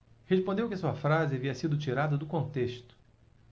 respondeu que a sua frase havia sido tirada do contexto